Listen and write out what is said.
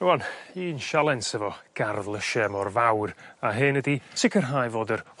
Rŵan un sialens efo gardd lysie mor fawr a hyn ydi sicirhau fod yr